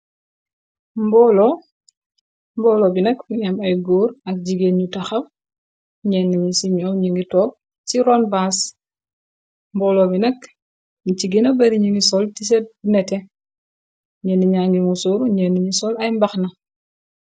Mboolo, mboolo bi nak mugii am ay gór ak jigeen yu taxaw ñeena ci ñow ñi ngi tóóg ak jigeen ñu taxaw , ñeena ci ñow ñu ngi tóóg ci ron baas. Mboolo mi nak ñi ci gèna bari ñu ngi sol tisat yu netteh, ñeneñ ña ngi mësoru ñeneñi sol mbàxna .